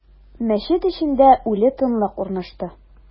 Мәчет эчендә үле тынлык урнашты.